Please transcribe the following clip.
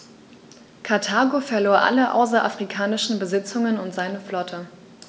Karthago verlor alle außerafrikanischen Besitzungen und seine Flotte.